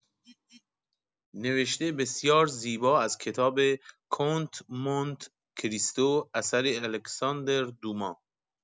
نوشته بسیار زیبا از کتاب کنت مونت کریستو اثر الکساندر دوما